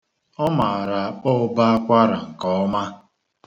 Ọ maara akpọ ụbọakwara nke ọma.